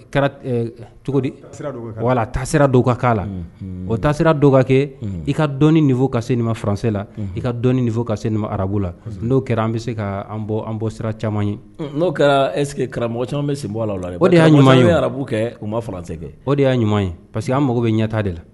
Kɛra cogodi wala tasira dɔw ka kan la o tasira dɔw ka kɛ i ka dɔni nin ka se maranla i ka dɔni nin ka sema arabula n'o kɛra an bɛ se ka an bɔ sira caman ye n'o kɛra ɛske karamɔgɔ caman bɛsin bɔla la o de y'a ɲuman arabu kɛ u ma faran kɛ o de y'a ɲuman ye pa parce que an mago bɛ ɲɛta de la